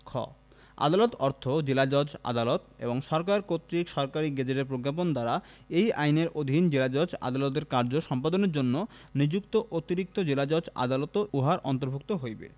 খ আদালত অর্থ জেলাজজ আদালত এবং সরকার কর্তৃক সরকারী গেজেটে প্রজ্ঞাপন দ্বারা এই আইনের অধীন জেলাজজ আদালতের কার্য সম্পাদনের জন্য নিযুক্ত অতিরিক্ত জেলাজজ আদালতও ইহার অন্তর্ভুক্ত হইবে